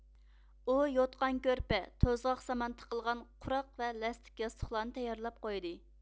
ئۇ يوتقان كۆرپە توزغاق سامان تىقىلغان قۇراق ۋە لەستىك ياستۇقلارنى تەييارلاپ قويدى